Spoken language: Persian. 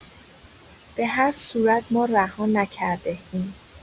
به هر صورت ما رها نکرده‌ایم!